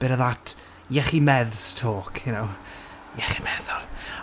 Bit of that, iechyd medds talk, you know? Iechyd meddwl.